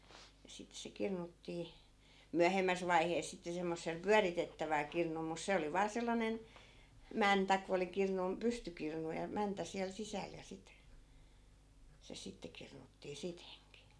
ja sitten se kirnuttiin myöhemmässä vaiheessa sitten semmoisella pyöritettävällä kirnulla mutta se oli vain sellainen mäntä kun oli - pystykirnu ja mäntä siellä sisällä ja sitten se sitten kirnuttiin sitenkin